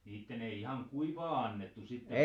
niiden ei ihan kuivaa annettu sitten